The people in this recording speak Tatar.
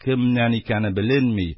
Кемнән икәне беленми,